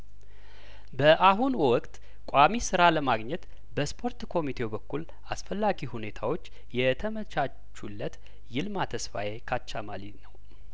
በአሁን ወቅት ቋሚ ስራ ለማግኘት በስፖርት ኮሚቴው በኩል አስፈላጊው ሁኔታዎች የተመቻቹለት ይልማ ተስፋዬ ካቻማሊ ነው